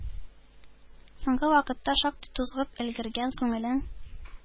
Соңгы вакытта шактый тузгып өлгергән күңелен